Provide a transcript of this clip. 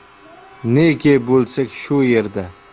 neki bo'lsak shu yerda